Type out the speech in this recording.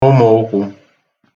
ụmụụkwụ̄